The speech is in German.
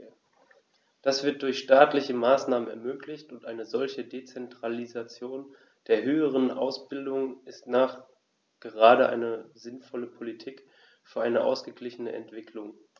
Das wird durch staatliche Maßnahmen ermöglicht, und eine solche Dezentralisation der höheren Ausbildung ist nachgerade eine sinnvolle Politik für eine ausgeglichene Entwicklung.